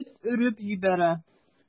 Эт өреп җибәрә.